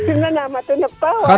simnanam o ten a paax